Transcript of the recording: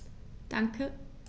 Danke.